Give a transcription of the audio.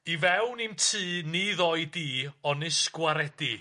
I fewn i'm tŷ ni ddoi di onis gwaredi.